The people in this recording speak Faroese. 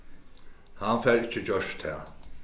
hann fær ikki gjørt tað